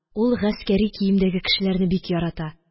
Ул гаскәри киемдәге кешеләрне бик ярата